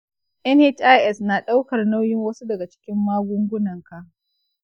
nhis na ɗaukar nauyin wasu daga cikin magungunanka.